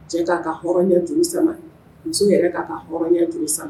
Cɛ k'a ka hɔrɔnya juru sama muso yɛrɛ k'a ka hɔrɔnya juru sama